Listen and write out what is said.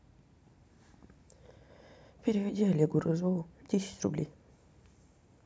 переведи олегу рыжову десять рублей